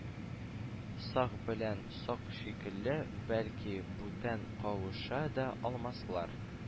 Сак белән Сок шикелле, бәлки, бүтән кавыша да алмаслар